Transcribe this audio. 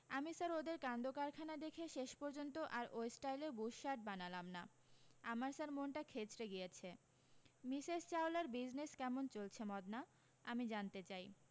আমি স্যার ওদের কাণ্ডকারখানা দেখে শেষ পর্যন্ত আর ওই স্টাইলে বুশশারট বানালাম না আমার স্যার মনটা খেঁচড়ে গিয়েছে মিসেস চাওলার বিজনেস কেমন চলছে মদনা আমি জানতে চাই